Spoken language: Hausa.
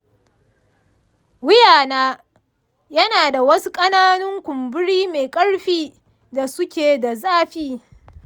wuya na yana da wasu ƙananan kumburi mai ƙarfi da suke da zafi.